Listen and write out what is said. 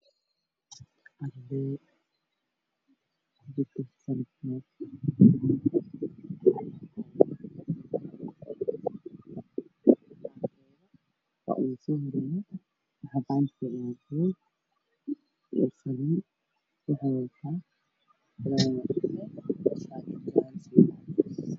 Meeshaan waxaa taalo sariir sariirta hoosteeda waxay ku jiro bisad waxayna ku cuneysaa jir